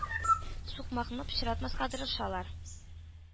Сукмакны пычратмаска тырышалар.